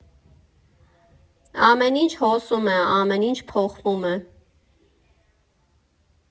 Ամեն ինչ հոսում է, ամեն ինչ փոխվում է։